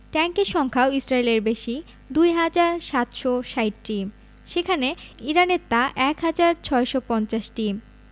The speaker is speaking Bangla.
ট্যাংকের সংখ্যাও ইসরায়েলের বেশি ২ হাজার ৭৬০টি সেখানে ইরানের তা ১ হাজার ৬৫০টি